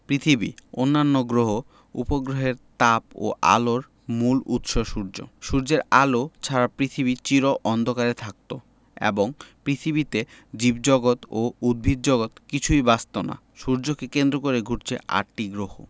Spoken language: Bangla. পৃথিবী অন্যান্য গ্রহ উপগ্রহের তাপ ও আলোর মূল উৎস সূর্য সূর্যের আলো ছাড়া পৃথিবী চির অন্ধকার থাকত এবং পৃথিবীতে জীবজগত ও উদ্ভিদজগৎ কিছুই বাঁচত না সূর্যকে কেন্দ্র করে ঘুরছে আটটি গ্রহ